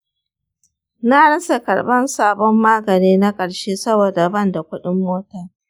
na rasa karban sabon magani na ƙarshe saboda ban da kuɗin mota.